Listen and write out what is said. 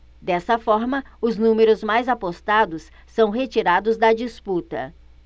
dessa forma os números mais apostados são retirados da disputa